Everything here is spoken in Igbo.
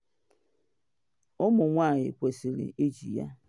Ụmụ Nwanyị Kwesịrị Iji Ya.